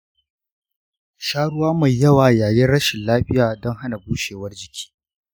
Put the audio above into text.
ku sha ruwa mai yawa yayin rashin lafiya don hana bushewar jiki .